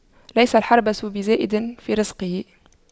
ليس الحريص بزائد في رزقه